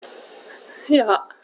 Ja.